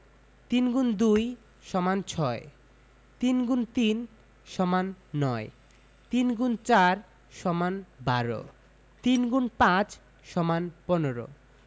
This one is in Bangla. ৩ X ২ = ৬ ৩ × ৩ = ৯ ৩ X ৪ = ১২ ৩ X ৫ = ১৫